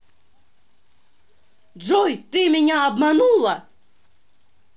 джой ты меня обманула